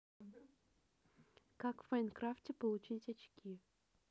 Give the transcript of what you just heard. как в майнкрафте получить очки